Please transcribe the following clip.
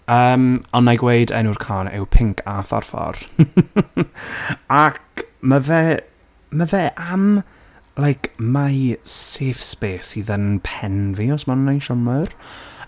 Yym ond wna i gweud, enw'r can yw Pinc a Phorffor , ac ma' fe, ma' fe am, like my safe space sydd yn pen fi, os ma'n wneud synnwyr.